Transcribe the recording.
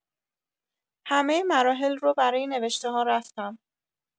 همه مراحل رو برای نوشته‌ها رفتم